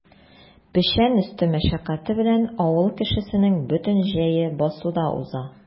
Печән өсте мәшәкате белән авыл кешесенең бөтен җәе басуда уза.